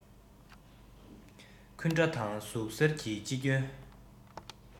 འཁུན སྒྲ དང ཟུག གཟེར གྱིས ཅི སྐྱོན